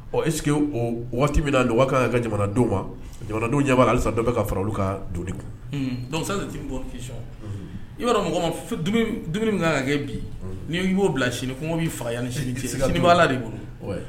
Ɔ e o waati min don kan ka jamanadenw ma jamanadenw ɲɛba halisa dɔw bɛ ka faralo ka don de kun dɔnku bɔ i b'a dɔn mɔgɔ min kan ka kɛ bi ni b'o bila sini kɔngɔ b'i fa yananise ni' de bolo